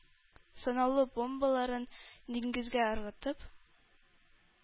Санаулы бомбаларын диңгезгә ыргытып,